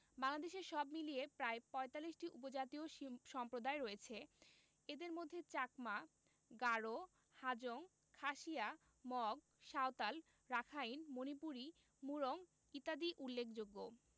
বাংলাদেশে সব মিলিয়ে প্রায় ৪৫টি উপজাতীয় সম্প্রদায় রয়েছে এদের মধ্যে চাকমা গারো হাজং খাসিয়া মগ সাঁওতাল রাখাইন মণিপুরী মুরং ইত্যাদি উল্লেখযোগ্য